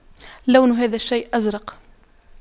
لون هذا الشيء أزرق